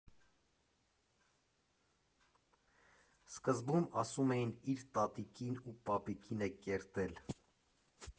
Սկզբում ասում էին՝ իր տատիկին ու պապիկին է կերտել։